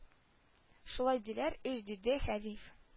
Шулай диләр ич диде хәниф